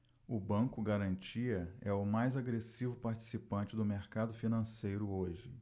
o banco garantia é o mais agressivo participante do mercado financeiro hoje